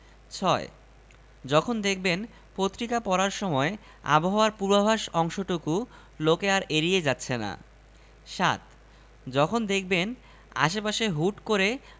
সময়ঃ ১০টা ৫৭ মিনিট আপডেট ২৩ জুলাই ২০১৮ সময় ১২টা ৪৭ মিনিট